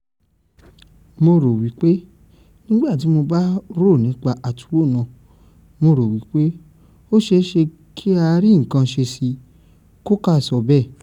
"Mo rò wípé nígbà tí mo bá rò nípa àtúnwò náà, Mo rò pé ó ṣeéṣe kí a rí nǹkan ṣe sí i,” Coker sọ bẹ́ẹ̀.